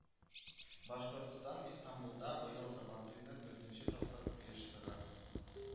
Башкортстан Истанбулда быел Сабантуйны дүртенче тапкыр оештыра